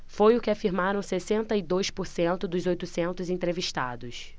foi o que afirmaram sessenta e dois por cento dos oitocentos entrevistados